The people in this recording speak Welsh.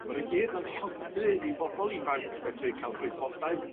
Ma' n'w gyd yn helpu i bobol ifanc fedri ca'l gwybodaeth